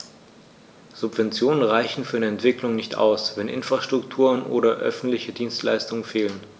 Subventionen reichen für eine Entwicklung nicht aus, wenn Infrastrukturen oder öffentliche Dienstleistungen fehlen.